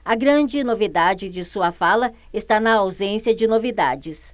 a grande novidade de sua fala está na ausência de novidades